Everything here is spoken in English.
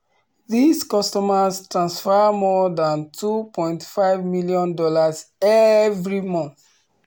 These customers transfer more than $2.5 million every month.